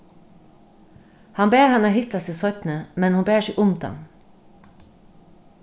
hann bað hana hitta seg seinni men hon bar seg undan